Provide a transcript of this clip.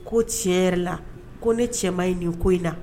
Ko tiɲɛ yɛrɛ la ko ne cɛ ma ɲi nin ko in na